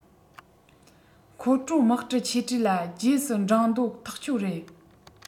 མཁོ སྤྲོད དམག གྲུ ཆེ གྲས ལ རྗེས སུ འབྲངས འདོད ཐག ཆོད རེད